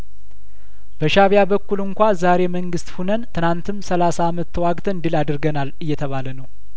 በሻእቢያ በኩል እንኳ ዛሬ መንግስት ሁነን ትናንትም ሰላሳ አመት ተዋግተን ድል አድርገናል እየተባለነው